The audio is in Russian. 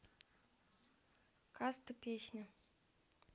каста песня